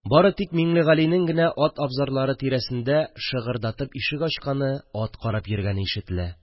Бары тик Миңлегалинең генә ат абзарлары тирәсендә шыгырдатып ишек ачканы, ат карап йөргәне ишетелә